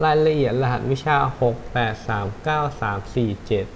รายละเอียดรหัสวิชาหกแปดสามเก้าสามสี่เจ็ด